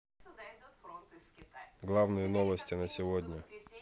главные новости на сегодня